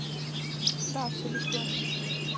да все бесплатно